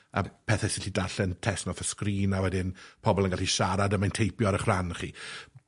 a'r pethe sy 'llu darllen testun off y screen a wedyn pobol yn gallu siarad a mae'n teipio ar 'ych ran chi.